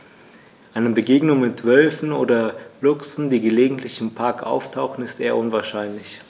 Eine Begegnung mit Wölfen oder Luchsen, die gelegentlich im Park auftauchen, ist eher unwahrscheinlich.